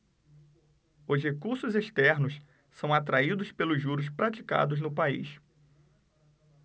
os recursos externos são atraídos pelos juros praticados no país